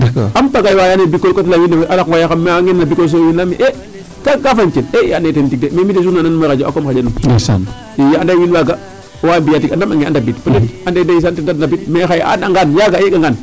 Ampagay cote Bicole a ngooyaxam waa ngen na Bicole so a layaam e e kaaga kaa fañtel e i and'ee teen tig de ,mi' de jour na nananuuma a koom xaƴanum i ande wiin waaga a waa mbi'aa tig a ndamange a ndabid peut etre ande ndeysaan mais xaye a and'angaan, a yeg'angaan.